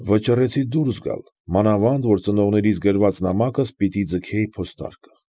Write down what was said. Վճռեցի դուրս գալ, մանավանդ որ ծնողներիս գրված նամակս պիտի ձգեի պոստարկղ։